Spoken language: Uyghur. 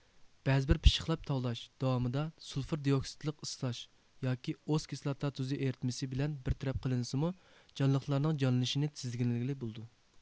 بەزىبىر پىششىقلاپ تاۋلاش داۋامىدا سۇلفۇر دىئوكسىدلىق ئىسلاش ياكى ئوس كىسلاتا تۇزى ئېرىتمىسى بىلەن بىر تەرەپ قىلىنسىمۇ جانلىقلارنىڭ جانلىنىشىنى تىزگىنلىگىلى بولىدۇ